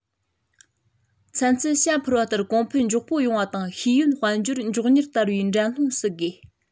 ཚན རྩལ བྱ འཕུར བ ལྟར གོང འཕེལ མགྱོགས པོ ཡོང བ དང ཤེས ཡོན དཔལ འབྱོར མགྱོགས མྱུར དར བའི འགྲན སློང བསུ དགོས